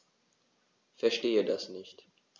Verstehe das nicht.